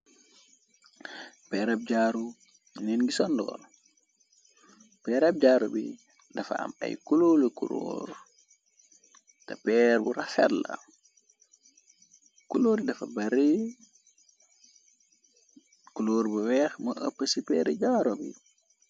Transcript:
Peerab jaaru, bi ngen gisa ndoor, peerab jaaru bi dafa am ay kuloori kulóor, te peer bu rafet la. kulóori dafa bare, kulóor bu weex moo ëpp ci peeri jaaru bi.